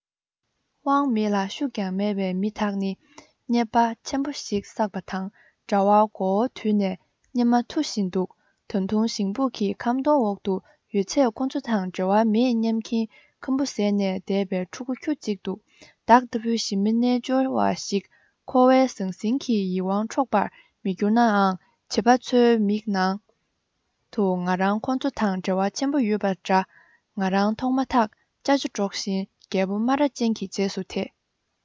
དབང མེད ལ ཤུགས ཀྱང མེད པའི མི དག ནི ཉེས པ ཆེན པོ ཞིག བསགས པ དང འདྲ བར མགོ བོ དུད ནས སྙེ མ འཐུ བཞིན འདུག ད དུང ཞིང སྦུག གི ཁམ སྡོང འོག ཏུ ཡོད ཚད ཁོ ཚོ དང འབྲེལ བ མེད སྙམ གྱིན ཁམ བུ ཟས ནས བསྡད པའི ཕྲུ གུ ཁྱུ གཅིག འདུག བདག ལྟ བུའི ཞི མི རྣལ འབྱོར བ ཞིག འཁོར བའི ཟང ཟིང གིས ཡིད དབང འཕྲོག པར མི འགྱུར ནའང བྱིས པ ཚོའི མིག ནང དུ ང རང ཁོ ཚོ དང འབྲེལ བ ཆེན པོ ཡོད པ འདྲ ང རང མཐོང མ ཐག ཅ ཅོ སྒྲོག བཞིན རྒད པོ སྨ ར ཅན གྱི རྗེས སུ དེད